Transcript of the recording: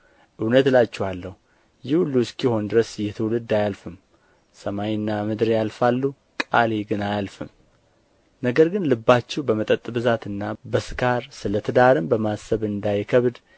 እውነት እላችኋለሁ ይህ ሁሉ እስኪሆን ድረስ ይህ ትውልድ አያልፍም ሰማይና ምድር ያልፋሉ ቃሌ ግን አያልፍም ነገር ግን ልባችሁ በመጠጥ ብዛትና በስካር ስለ ትዳርም በማሰብ እንዳይከብድ